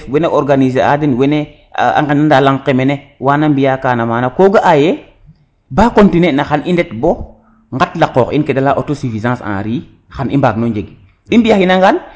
wene organiser a den wene a ngenana lang ke mene wana mbiya kana mana ko ga a ye ba continuer na xan i ndet bo ndgat la qoox in kede leya auto suffisance en riz xan i mbaag no njeg i mbiya xina ngan